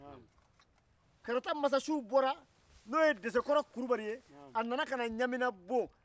karata masawi n'o ye desekɔrɔ kulubali ye a nana ɲamina bon